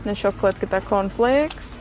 Ne siocled gyda corn fflecs.